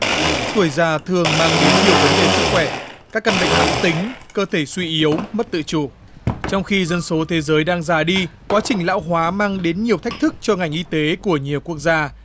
tuổi già thường mang đến nhiều vấn đề sức khỏe các căn bệnh mãn tính cơ thể suy yếu mất tự chủ trong khi dân số thế giới đang già đi quá trình lão hóa mang đến nhiều thách thức cho ngành y tế của nhiều quốc gia